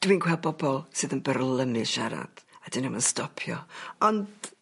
Dwi'n gweld bobol sydd yn byrlymu siarad a 'dyn nw'm yn stopio on'